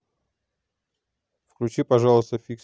включи пожалуйста фиксики